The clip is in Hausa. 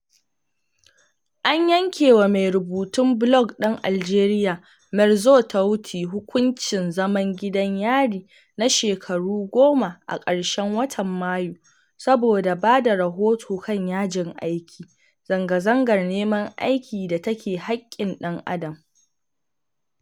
An yankewa mai rubutun blog ɗan Aljeriya, Merzoug Touati, hukuncin zaman gidan yari na shekaru goma a ƙarshen watan Mayu saboda ba da rahoto kan yajin aiki, zanga-zangar neman aiki da take haƙƙkin ɗan adam.